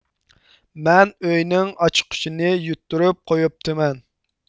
مەن ئۆينىڭ ئاچقۇچىنى يۈتتۈرۈپ قويۇپتىمەن